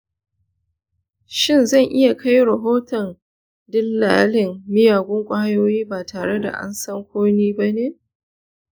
shin zan iya kai rahoton dillalin miyagun ƙwayoyi ba tare da an san ko ni ne ba?